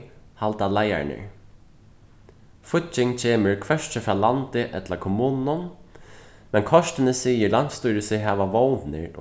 halda leiðararnir fígging kemur hvørki frá landi ella kommununum men kortini sigur landsstýrið seg hava vónir